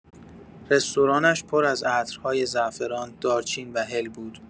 رستورانش پر از عطرهای زعفران، دارچین و هل بود.